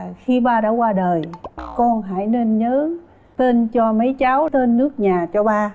khi ba đã goa đời con hãy nên nhớ tên cho mấy cháu tên nước nhà cho ba